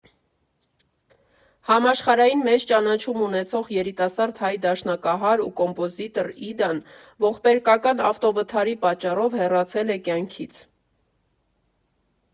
Համաշխարհային մեծ ճանաչում ունեցող երիտասարդ հայ դաշնակահար ու կոմպոզիտոր Իդան ողբերգական ավտովթարի պատճառով հեռացել է կյանքից։